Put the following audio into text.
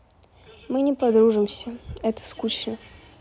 мы не подружимся это скучно